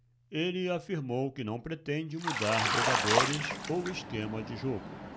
ele afirmou que não pretende mudar jogadores ou esquema de jogo